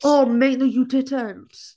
Oh mate no you didn't!